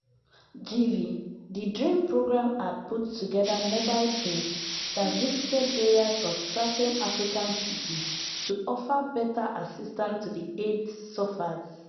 GV: The DREAM programme had put together mobile teams that visited areas of certain African cities to offer better assistance to the AIDS suffers.